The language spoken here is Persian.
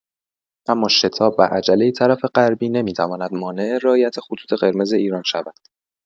اما شتاب و عجله طرف غربی نمی‌تواند مانع رعایت خطوط قرمز ایران شود.